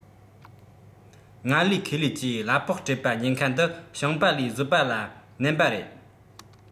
ངལ ལས ཁེ ལས ཀྱིས གླ ཕོགས སྤྲད པ ཉེན ཁ འདི ཞིང པ ལས བཟོ པ ལ བསྣན པ རེད